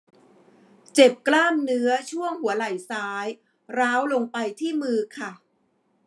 เจ็บกล้ามเนื้อช่วงหัวไหล่ซ้ายร้าวลงไปที่มือค่ะ